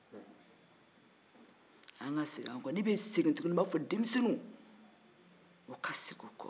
n b'a fɔ tuguni denmisɛnnin ka segin u kɔ